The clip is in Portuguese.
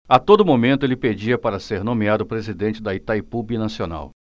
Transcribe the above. a todo momento ele pedia para ser nomeado presidente de itaipu binacional